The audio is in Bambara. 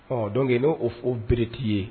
Ɔ donke n' o fɔ bereti ye